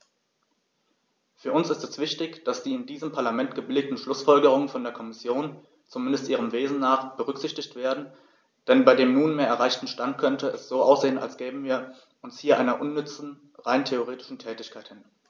Für uns ist es wichtig, dass die in diesem Parlament gebilligten Schlußfolgerungen von der Kommission, zumindest ihrem Wesen nach, berücksichtigt werden, denn bei dem nunmehr erreichten Stand könnte es so aussehen, als gäben wir uns hier einer unnütze, rein rhetorischen Tätigkeit hin.